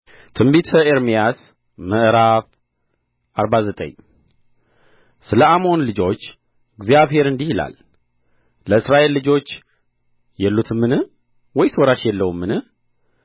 ትንቢተ ኤርምያስ ምዕራፍ አርባ ዘጠኝ ስለ አሞን ልጆች እግዚአብሔር እንዲህ ይላል ለእስራኤል ልጆች የሉትምን ወይስ ወራሽ የለውምን